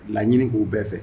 Laɲini k'u bɛɛ fɛ